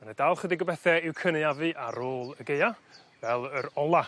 Ma' 'na dal chydig o bethe i'w cyneuafu ar ôl y gae fel yr ola